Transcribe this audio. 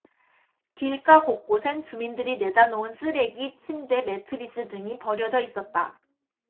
길가 곳곳엔 주민들이 내다 놓은 쓰레기 침대 매트리스 등이 버려져 있었다